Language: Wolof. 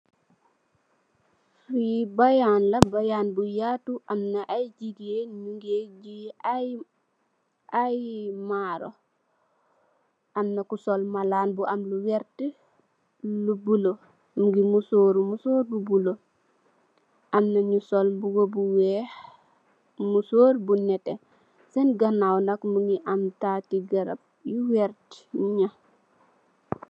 Fii Bayern la bayern bu yaatu amna aiiy gigain njungeh jiiih aiiy, aiiy maaroh, amna ku sol malan bu am lu wehrt, lu bleu, mungy musorru musorr bu bleu, amna nju sol mbuba bu wekh, musorr bu nehteh, sehn ganaw nak mungy am taati garab yu vertue, yu njahh.